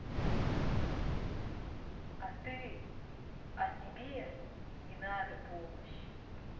а ты о тебе не надо помощь